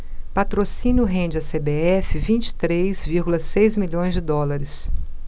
patrocínio rende à cbf vinte e três vírgula seis milhões de dólares